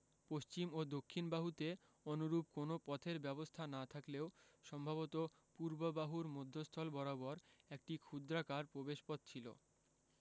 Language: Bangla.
পশ্চিম ও দক্ষিণ বাহুতে অনুরূপ কোন পথের ব্যবস্থা না থাকলেও সম্ভবত পূর্ব বাহুর মধ্যস্থল বরাবর একটি ক্ষুদ্রাকার প্রবেশপথ ছিল